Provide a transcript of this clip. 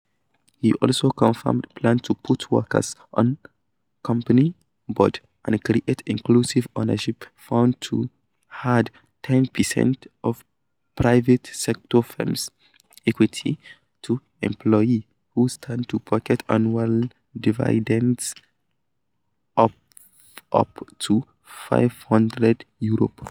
He also confirmed plans to put workers on company boards and create Inclusive Ownership Funds to hand 10 per cent of private-sector firms' equity to employees, who stand to pocket annual dividends of up to £500.